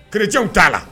Kerejanw t'a la